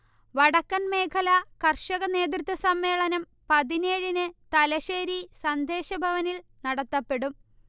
വടക്കൻ മേഖല കർഷക നേതൃസമ്മേളനം പതിനേഴിന് തലശ്ശേരി സന്ദേശഭവനിൽ നടത്തപ്പെടും